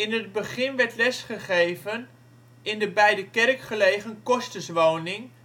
het begin werd lesgegeven in de bij de kerk gelegen kosterswoning